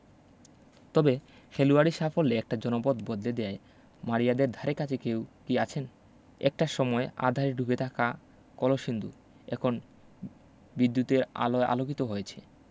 তবে খেলোয়াড়ি সাফল্যে একটা জনপদ বদলে দেওয়ায় মারিয়াদের ধারেকাছে কেউ কি আছেন একটা সময়ে আঁধারে ডুবে থাকা কলসিন্দুর এখন বিদ্যুতের আলোয় আলোকিত হয়েছে